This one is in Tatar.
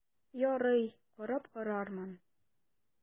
Ярый, карап карармын...